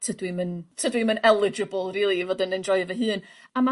tydw i'm yn tydw i'm yn eligible rili i fod yn enjoio fy hun a ma'